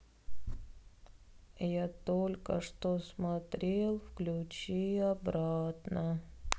я только что смотрел включи обратно